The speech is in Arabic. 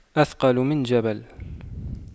أثقل من جبل